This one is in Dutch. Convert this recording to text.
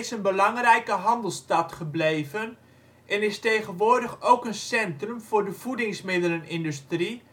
belangrijke handelsstad gebleven en is tegenwoordig ook een centrum voor de voedingsmiddelenindustrie